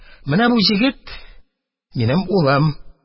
Менә бу егет — минем улым